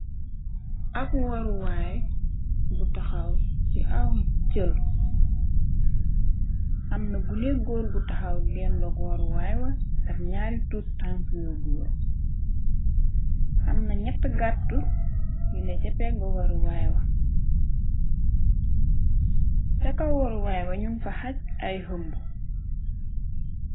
Ab waruwaay bu taxaw ci aw cël amna gune góor gu taxaw dendog waru waaywa ak ñaari tuut tank nu góor amna ñatt gàttu yu ne ca pegg waru wawa caka waru waay wa ñum fa xaj ay hëmb.